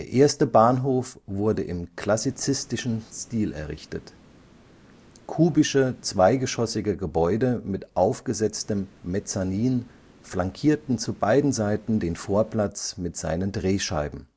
erste Bahnhof wurde im klassizistischen Stil errichtet. Kubische zweigeschossige Gebäude mit aufgesetztem Mezzanin flankierten zu beiden Seiten den Vorplatz mit seinen Drehscheiben